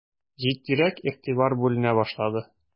Җитдирәк игътибар бүленә башлады.